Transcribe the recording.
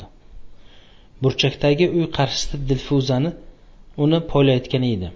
burchakdagi uy qarshisida dilfuzani uni poylayotgan edi